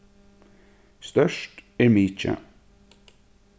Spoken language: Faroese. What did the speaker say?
stórt er mikið